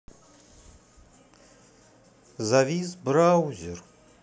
завис браузер